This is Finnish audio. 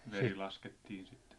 veri laskettiin sitten